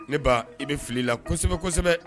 Ne ba i bɛ fili la kosɛbɛ kosɛbɛ